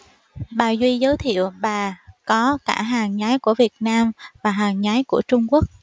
bà duy giới thiệu bà có cả hàng nhái của việt nam và hàng nhái của trung quốc